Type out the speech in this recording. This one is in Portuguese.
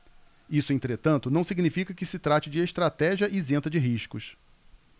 isso entretanto não significa que se trate de estratégia isenta de riscos